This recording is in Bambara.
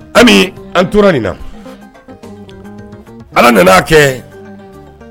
Hali an tora nin na, Ala nan'a kɛ